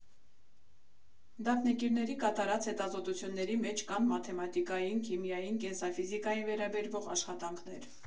Դափնեկիրների կատարած հետազոտությունների մեջ կան մաթեմատիկային, քիմիային, կենսաֆիզիկային վերաբերվող աշխատանքներ։